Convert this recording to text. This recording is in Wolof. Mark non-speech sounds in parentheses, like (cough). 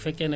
(hesitation) (hesitation)